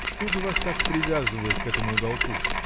— Что же вас так привязывает к этому уголку?